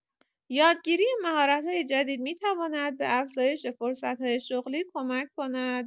یادگیری مهارت‌های جدید می‌تواند به افزایش فرصت‌های شغلی کمک کند.